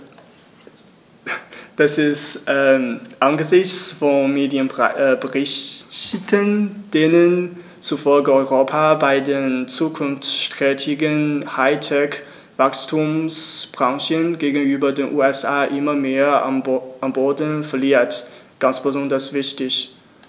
Das ist angesichts von Medienberichten, denen zufolge Europa bei den zukunftsträchtigen High-Tech-Wachstumsbranchen gegenüber den USA immer mehr an Boden verliert, ganz besonders wichtig.